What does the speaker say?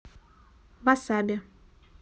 васаби